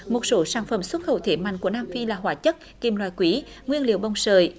một số sản phẩm xuất khẩu thế mạnh của nam phi là hóa chất kim loại quý nguyên liệu bông sợi